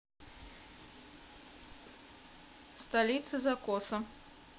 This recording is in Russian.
столица закоса